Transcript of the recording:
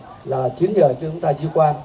là chín giờ chương tai chi quan